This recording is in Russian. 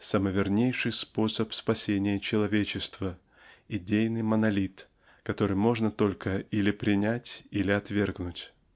самовернейший способ спасения человечества идейный монолит который можно только или принять или отвергнуть.